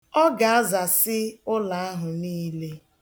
Ọ ga-azasi ebe ụlọ ahụ niile.